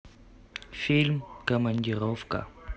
фильм командировка